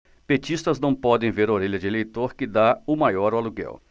petista não pode ver orelha de eleitor que tá o maior aluguel